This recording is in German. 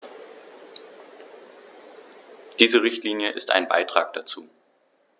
Diese Richtlinie ist ein Beitrag dazu.